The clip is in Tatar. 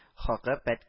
Хакы пәт